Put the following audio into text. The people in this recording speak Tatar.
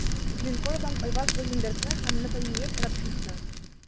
Glencore'дан Айван Глазенбергны һәм Натаниэль Ротшильдны.